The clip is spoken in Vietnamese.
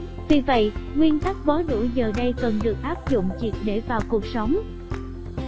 vì vậy nguyên tắc bó đũa giờ đây cần được áp dụng triệt để vào cuộc sống